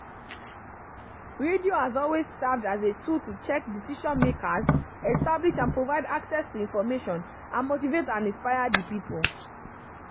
Radio has always served as a tool to check decision-makers, establish and provide access to information and motivate and inspire the people.